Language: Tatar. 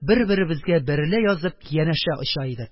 Берберебезгә бәрелә язып, янәшә оча идек.